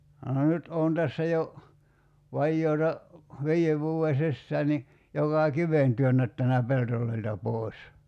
nyt olen tässä jo vajaata viiden vuoden sisään niin joka kiven työnnättänyt pelloilta pois